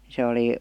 se oli